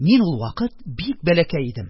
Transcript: Мин ул вакыт бик бәләкәй идем,